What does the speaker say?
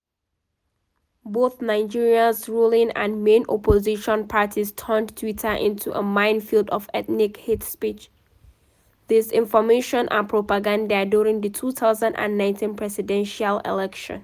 Both Nigeria's ruling and main opposition parties turned Twitter into a minefield of ethnic hate speech, disinformation and propaganda during the 2019 presidential elections.